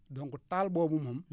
donc taal boobu moom